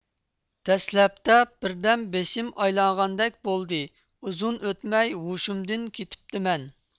دەسلەپتە بىردەم بېشىم ئايلانغاندەك بولدى ئۇزۇن ئۆتمەي ھوشۇمدىن كېتىپتىمەن